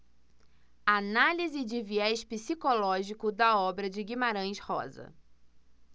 análise de viés psicológico da obra de guimarães rosa